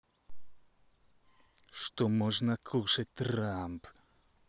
что можно кушать трамп